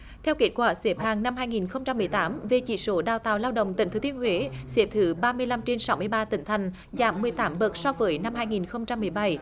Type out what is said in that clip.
theo kết quả xếp hạng năm hai nghìn không trăm mười tám về chỉ số đào tạo lao động tỉnh thừa thiên huế xếp thứ ba mươi lăm trên sáu mươi ba tỉnh thành giảm mười tám bậc so với năm hai nghìn không trăm mười bảy